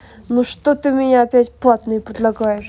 ну что то мне опять платное предлагаешь